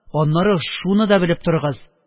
Аннары шуны да белеп торыгыз